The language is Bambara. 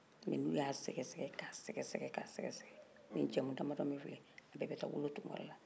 mɛ n' u y' a sɛgɛsɛgɛ k' a sɛgɛsɛgɛ k' a sɛgɛsɛgɛ nin jamu damadɔ min filɛ a bɛɛ bɛ taa wolo tunkarala